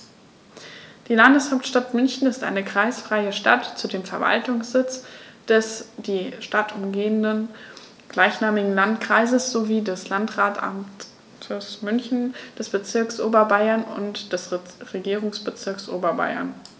Die Landeshauptstadt München ist eine kreisfreie Stadt, zudem Verwaltungssitz des die Stadt umgebenden gleichnamigen Landkreises sowie des Landratsamtes München, des Bezirks Oberbayern und des Regierungsbezirks Oberbayern.